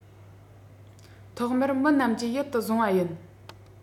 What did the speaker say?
ཐོག མར མི རྣམས ཀྱིས ཡིད དུ བཟུང པ ཡིན